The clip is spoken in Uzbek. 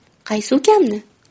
qaysi ukamni